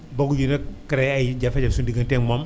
bëgguñu nag crée ay jafe -jafe sunu diggante ak moom